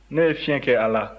ne ye fiɲɛ kɛ a la